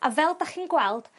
a fel 'dach chi'n gweld